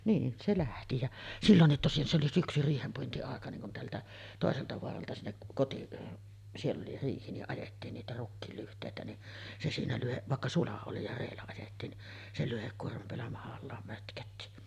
niin se lähti ja silloin tosin se oli syksy riihenpuintiaika niin kun täältä toiselta vaaralta sinne - siellä oli riihi niin ajettiin niitä rukiin lyhteitä niin se siinä - vaikka sula oli ja reellä ajettiin niin se lyhdekuorman päällä mahallaan mötkötti